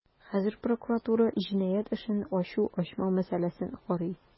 Хәзер прокуратура җинаять эшен ачу-ачмау мәсьәләсен карый.